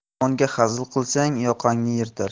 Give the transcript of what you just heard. yomonga hazil qilsang yoqangni yirtar